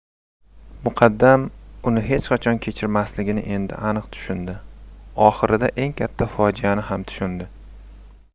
muqaddam uni hech qachon kechirmasligini endi aniq tushundi oxirida eng katta fojiani ham tushundi